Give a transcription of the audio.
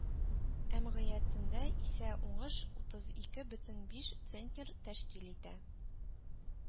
Әмгыятендә исә уңыш утыз ике бөтен биш центнер тәшкил итә